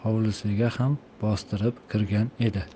hovlisiga ham bostirib kirgan edi